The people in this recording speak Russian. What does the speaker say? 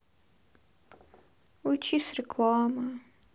уйти с рекламы